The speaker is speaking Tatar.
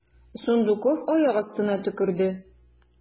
Сундуков аяк астына төкерде.